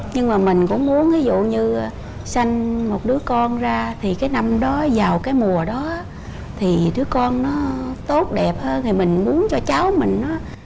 nhưng mà mình cũng muốn ví dụ như sanh một đứa con ra thì cái năm đó vào cái mùa đó thì đứa con nó tốt đẹp hơn thì mình muốn cho cháu mình nó